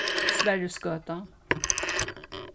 sverrisgøta